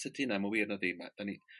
Tydi 'na 'im yn wir nadi ma' 'dan ni